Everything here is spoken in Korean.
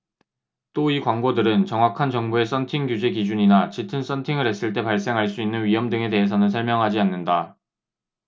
또 이 광고들은 정확한 정부의 선팅 규제 기준이나 짙은 선팅을 했을 때 발생할 수 있는 위험 등에 대해서는 설명하지 않는다